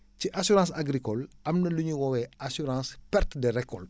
ci assurance agricole am na lu ñu woowee assurance perte de récolte